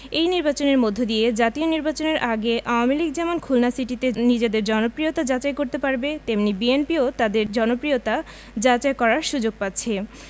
এই নির্বাচনের মধ্য দিয়ে জাতীয় নির্বাচনের আগে আওয়ামী লীগ যেমন খুলনা সিটিতে নিজেদের জনপ্রিয়তা যাচাই করতে পারবে তেমনি বিএনপিও তাদের জনপ্রিয়তা যাচাই করার সুযোগ পাচ্ছে